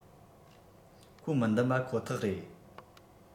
ཁོ མི བདམས པ ཁོ ཐག རེད